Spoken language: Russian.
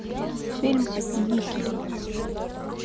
фильм никель